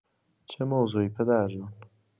چه موضوعی پدر جون؟